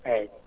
eeyi